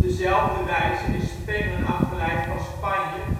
zelfde wijze is Spengen afgeleid van Spanje